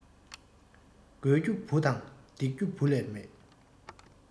དགོས རྒྱུ བུ དང འདེགས རྒྱུ བུ ལས མེད